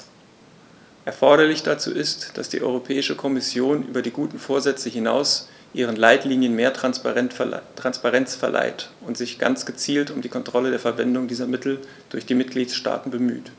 Erforderlich dazu ist, dass die Europäische Kommission über die guten Vorsätze hinaus ihren Leitlinien mehr Transparenz verleiht und sich ganz gezielt um die Kontrolle der Verwendung dieser Mittel durch die Mitgliedstaaten bemüht.